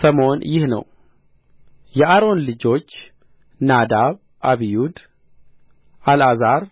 ሰሞን ይህ ነው የአሮን ልጆች ናዳብ አብዩድ አልዓዛር